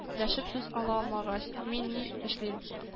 Дәшеп сүз ала алмагач, мин ни эшлим